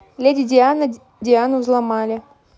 леди диана диану взломали